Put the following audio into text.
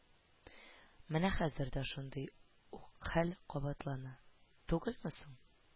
Менә хәзер дә шундый ук хәл кабатлана түгелме соң